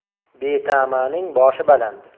beta'maning boshi baland